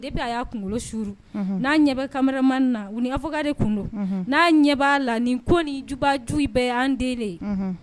De bɛ y'a kunkolo su n'a ɲɛ kamalen man na ufɔka de kun n'a ɲɛ' la ni ko nijubaju bɛɛ an den de ye